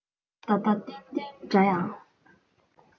ད ལྟ བརྟན བརྟན འདྲ ཡང